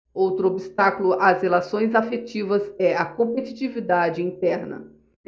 outro obstáculo às relações afetivas é a competitividade interna